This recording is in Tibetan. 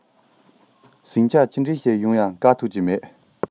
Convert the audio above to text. ཟིང ཆ གང ཞིག བྱུང ཡང བཀག ཐུབ ཀྱི མེད